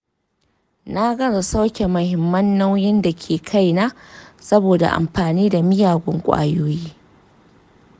na gaza sauke muhimman nauyin da ke kaina saboda amfani da miyagun ƙwayoyi.